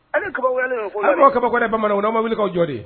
A ne kabakoyalen don fɔlɔ, a bɛ mɔgɔ kabakoya dɛ bamanan n'aw ma wuli k'a jɔ de